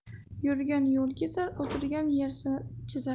yurgan yo'l kezar o'tirgan yer chizar